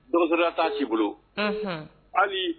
Unhun, hali!